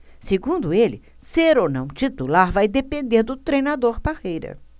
segundo ele ser ou não titular vai depender do treinador parreira